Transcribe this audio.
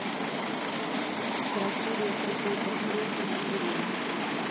красивые крутые постройки для деревни